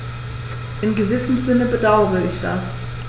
In gewissem Sinne bedauere ich das.